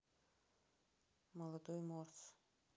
молодой морс